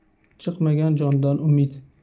chiqmagan jondan umid